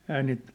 eihän niitä